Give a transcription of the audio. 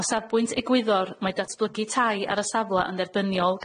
O safbwynt egwyddor mae datblygu tai ar y safla yn dderbyniol